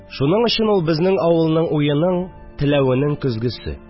Шуның өчен ул – безнең авылның уеның, теләвенең көзгесе